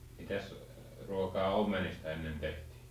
mitäs ruokaa omenista ennen tehtiin